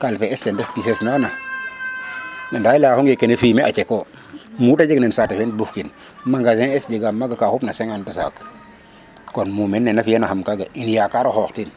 kalpe es ten ref pises nana anda leya xonge kene fumier a ceko mute jeg na saate fe in buf kin magasin es jegam ka xupna maga 50 saaku kon mumeen ne na fiya naxam kaga im yaakar xoox tin